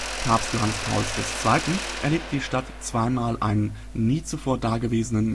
zweimal einen nie zuvor da gewesenen